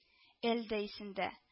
Әле дә исендә